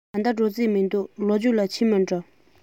ད ལྟ འགྲོ རྩིས མི འདུག ལོ མཇུག ལ ཕྱིན མིན འགྲོ